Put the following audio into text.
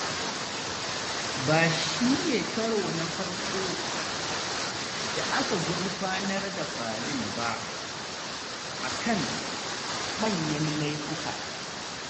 Ba shi ne karo na farko da aka gurfanar da Palin ba akan manyan laifuka.